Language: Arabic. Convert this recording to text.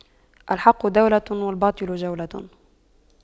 الحق دولة والباطل جولة